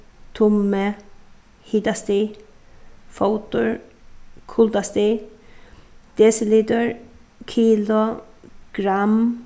tummi hitastig fótur kuldastig desilitur kilo gramm